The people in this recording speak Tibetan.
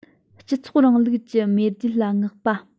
སྤྱི ཚོགས རིང ལུགས ཀྱི མེས རྒྱལ ལ བསྔགས པ